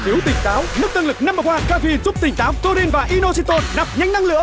thiếu tỉnh táo nước tăng lực năm bờ oăn ca phin giúp tỉnh táo tô rin và i nô xi tôn nạp nhanh năng lượng